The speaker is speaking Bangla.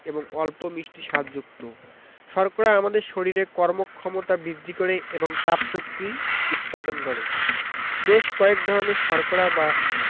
এবং অল্প মিষ্টি স্বাদযুক্ত শর্করা আমাদের শরীরে কর্মক্ষমতা বৃদ্ধি করে এবং তাপশক্তি উৎপাদন করে বেশ কয়েক ধরনের শর্করা বা